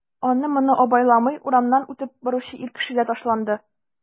Аны-моны абайламый урамнан үтеп баручы ир кешегә ташланды...